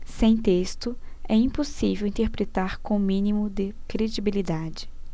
sem texto é impossível interpretar com o mínimo de credibilidade